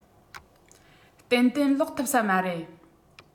ཏན ཏན ལོག ཐུབ ས མ རེད